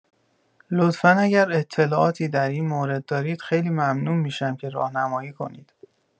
لطفا اگر اطلاعاتی در این مورد دارید خیلی ممنون می‌شم که راهنمایی کنید